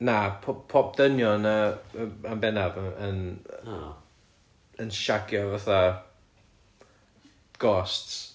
na pob- pob- dynion yy yn yn bennaf yn yn yn shagio fatha ghosts